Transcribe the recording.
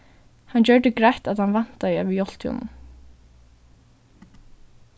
hann gjørdi greitt at hann væntaði at vit hjálptu honum